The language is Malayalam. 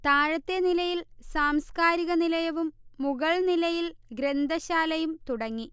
താഴത്തെ നിലയിൽ സാംസ്കാരിക നിലയവും മുകൾനിലയിൽ ഗ്രന്ഥശാലയും തുടങ്ങി